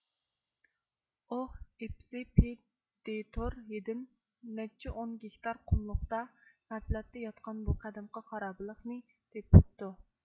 ئوھ ئېپسپېدىتور ھېدىن نەچچە ئون گىكتار قۇملۇقتا غەپلەتتە ياتقان بۇ قەدىمكى خارابىلىقىنى تېپىپتۇ